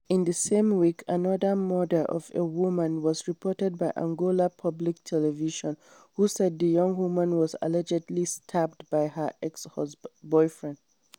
In the same week, another murder of a woman was reported by Angola Public Television who said the young woman was allegedly stabbed by her ex-boyfriend.